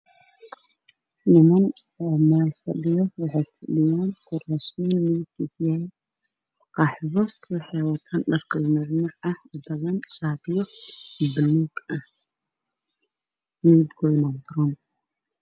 Waa niman hool iskugu imaaday